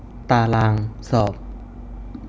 ตารางสอบ